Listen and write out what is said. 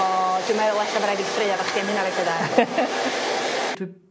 O dwi meddwl ella ma' raid fi ffrio efo chi am hynna felly 'de?